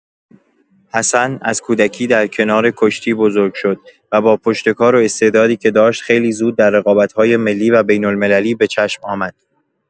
حسن از کودکی در کنار کشتی بزرگ شد و با پشتکار و استعدادی که داشت خیلی زود در رقابت‌های ملی و بین‌المللی به چشم آمد.